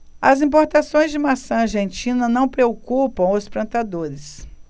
as importações de maçã argentina não preocupam os plantadores